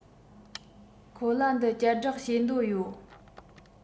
ཁོ ལ འདི བསྐྱར བསྒྲགས བྱེད འདོད ཡོད